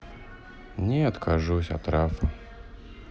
не откажусь от рафа